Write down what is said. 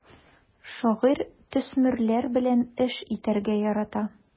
Шагыйрь төсмерләр белән эш итәргә ярата.